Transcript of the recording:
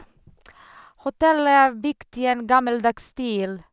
Hotellet er bygd i en gammeldags stil.